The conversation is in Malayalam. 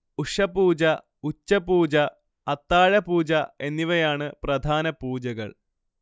ഉഷഃപൂജ, ഉച്ചപൂജ, അത്താഴപൂജ എന്നിവയാണ് പ്രധാന പൂജകൾ